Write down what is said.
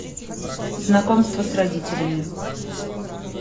знакомство с родителями